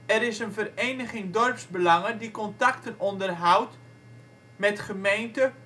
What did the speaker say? Er is een vereniging dorpsbelangen die contacten onderhoudt met gemeente